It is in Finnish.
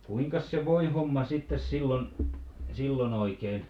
kuinkas se voihomma sitten silloin silloin oikein